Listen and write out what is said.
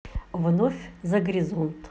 вновь за горизонт